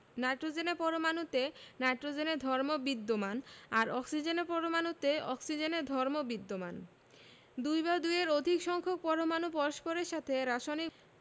যেমন নাইট্রোজেনের পরমাণুতে নাইট্রোজেনের ধর্ম বিদ্যমান আর অক্সিজেনের পরমাণুতে অক্সিজেনের ধর্ম বিদ্যমান দুই বা দুইয়ের অধিক সংখ্যক পরমাণু পরস্পরের সাথে রাসায়নিক